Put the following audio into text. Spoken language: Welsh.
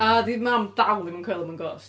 A 'di mam dal ddim yn coelio mewn ghosts.